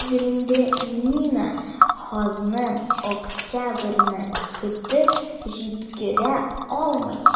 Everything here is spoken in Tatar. Хәзер инде Нина ханым октябрьне көтеп җиткерә алмый.